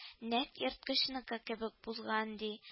Нәкъ ерткычныкы кебек булган, ди